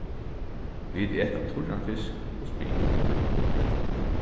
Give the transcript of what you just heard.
vit eta turran fisk og spik